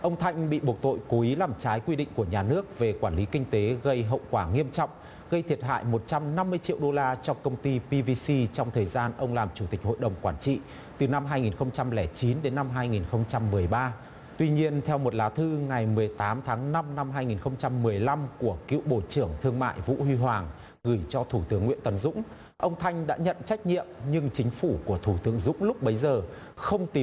ông thanh bị buộc tội cố ý làm trái quy định của nhà nước về quản lý kinh tế gây hậu quả nghiêm trọng gây thiệt hại một trăm năm mươi triệu đô la cho công ty bi vi si trong thời gian ông làm chủ tịch hội đồng quản trị từ năm hai nghìn không trăm lẻ chín đến năm hai nghìn không trăm mười ba tuy nhiên theo một lá thư ngày mười tám tháng năm năm hai nghìn không trăm mười lăm của cựu bộ trưởng thương mại vũ huy hoàng gửi cho thủ tướng nguyễn tấn dũng ông thanh đã nhận trách nhiệm nhưng chính phủ của thủ tướng dũng lúc bấy giờ không tìm